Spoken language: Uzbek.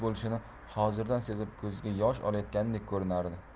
bo'lishini hozirdan sezib ko'ziga yosh olayotgandek ko'rinardi